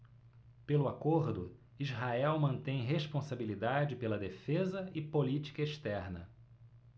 pelo acordo israel mantém responsabilidade pela defesa e política externa